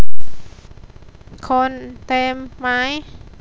คนเต็มไหม